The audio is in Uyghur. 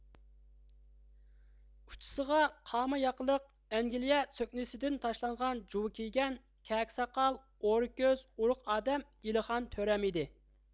ئۇچىسىغا قاما ياقىلىق ئەنگلىيە سۆكنىسىدىن تاشلانغان جۇۋا كىيگەن كەكە ساقال ئورا كۆز ئورۇق ئادەم ئېلىخان تۆرەم ئىدى